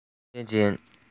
ཚད ལྡན ཅན